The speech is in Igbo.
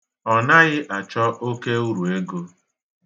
Ọ naghị achọ oke uruego.